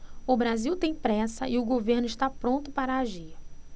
o brasil tem pressa e o governo está pronto para agir